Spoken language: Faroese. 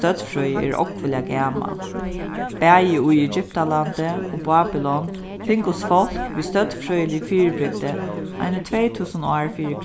støddfrøði er ógvuliga gamal bæði í egyptalandi og bábylon fingust fólk við støddfrøðilig fyribrigdi eini tvey túsund ár fyri